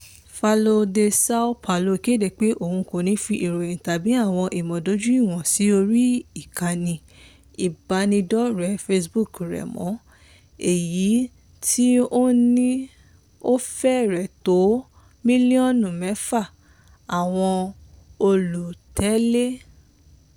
Folha de Sao Paulo kéde pé òun kò ní fi ìròyìn tàbí àwọn ìmúdójúìwọ̀n sí orí ìkànnì ìbánidọ́rẹ̀ẹ́ Facebook rẹ mọ́, èyí tí ó ní ó fẹ́rẹ̀ tó mílíọ̀nù mẹ́fà àwọn olùtẹ̀lé.